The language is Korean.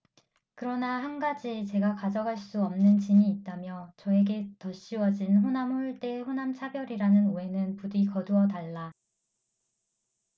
그러나 한 가지 제가 가져갈 수 없는 짐이 있다며 저에게 덧씌워진 호남홀대 호남차별이라는 오해는 부디 거두어 달라